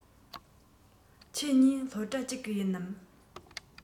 ཁྱེད གཉིས སློབ གྲྭ གཅིག གི ཡིན ནམ